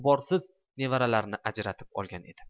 g'uborsiz nevaralarini ajratib olgan edi